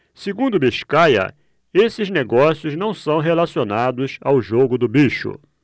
segundo biscaia esses negócios não são relacionados ao jogo do bicho